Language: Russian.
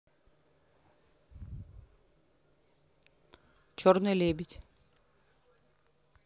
черный лебедь